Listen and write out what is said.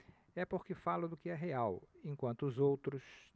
é porque falo do que é real enquanto os outros